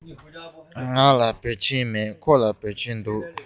ང ལ བོད ཆས མེད ཁོ ལ བོད ཆས འདུག